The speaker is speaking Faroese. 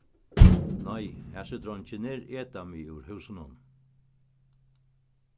nei hasir dreingirnir eta meg úr húsinum